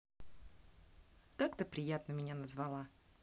как ты приятно меня называла